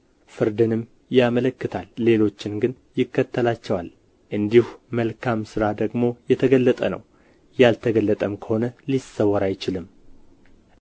ፍርድንም ያመለክታል ሌሎችን ግን ይከተላቸዋል እንዲሁ መልካም ሥራ ደግሞ የተገለጠ ነው ያልተገለጠም ከሆነ ሊሰወር አይችልም